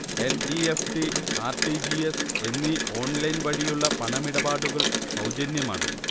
N. E. F. T, R. T. G. S എന്നീ ഓൺലൈൻവഴിയുള്ള പണമിടപാടുകൾ സൗജന്യമാണ്